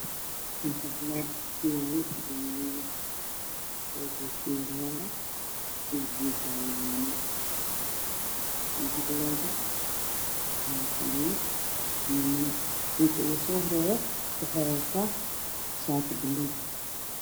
Meshaan maxaa yeelo miis waxaa fadhiya niman ninka usoo horeeyo waxa uu wataal shaati buluug ah